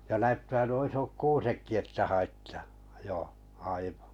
ja näyttää nuo isot kuusetkin että haittaa jo aivan